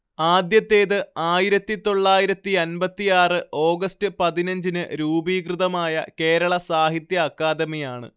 ആദ്യത്തേത് ആയിരത്തി തൊള്ളായിരത്തിയൻപത്തിയാറ് ഓഗസ്റ്റ് പതിനഞ്ചിന് രൂപീകൃതമായ കേരള സാഹിത്യ അക്കാദമി യാണ്